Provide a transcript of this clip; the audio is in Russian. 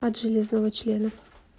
от железного члена